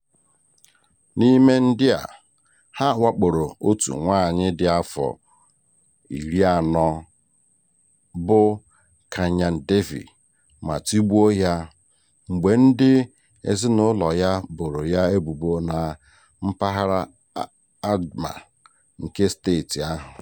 N'ime ndị a, ha wakporo otu nwaanyị dị afọ 40 bụ Kanya Devi ma tigbuo ya mgbe ndị ezinaụlọ ya boro ya ebubo na mpaghara Ajmer nke steeti ahụ